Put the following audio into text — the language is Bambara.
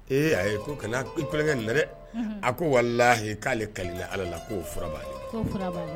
Ee a ko kana i kɔrɔkɛkɛ n na a ko wala k'ale kali ala la k'o fura' ye